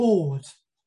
bod.